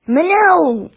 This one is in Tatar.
Менә ул.